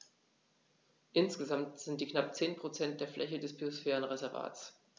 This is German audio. Insgesamt sind dies knapp 10 % der Fläche des Biosphärenreservates.